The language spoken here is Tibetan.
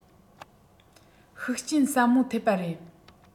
ཤུགས རྐྱེན ཟབ མོ ཐེབས པ རེད